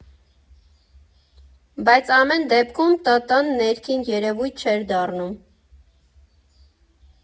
Բայց ամեն դեպքում, ՏՏ֊ն ներքին երևույթ չէր դառնում։